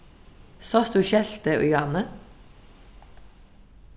sást tú skeltið í áðni